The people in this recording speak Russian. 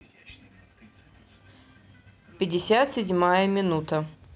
пятьдесят седьмая минута